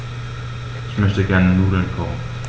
Ich möchte gerne Nudeln kochen.